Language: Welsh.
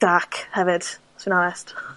dark hefyd os fi'n onest.